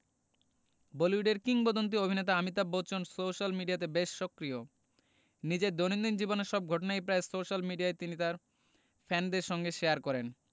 বলিউডের কিংবদন্তী অভিনেতা অমিতাভ বচ্চন সোশ্যাল মিডিয়াতে বেশ সক্রিয় নিজের দৈনন্দিন জীবনের সব ঘটনাই প্রায় সোশ্যাল মিডিয়ায় তিনি তার ফ্যানেদের সঙ্গে শেয়ার করেন